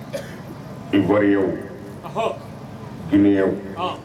N bɔw nw